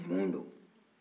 numuw don